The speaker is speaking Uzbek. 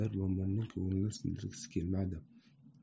bir mo'minning ko'nglini sindirgisi kelmaydi